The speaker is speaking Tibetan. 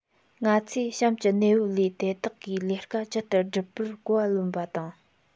ང ཚོས གཤམ གྱི གནས བབ ལས དེ དག གིས ལས ཀ ཇི ལྟར བསྒྲུབས པར གོ བ ལོན པ དང